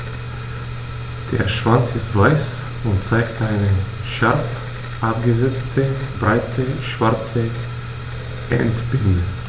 Der Schwanz ist weiß und zeigt eine scharf abgesetzte, breite schwarze Endbinde.